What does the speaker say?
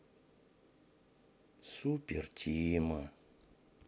супер тима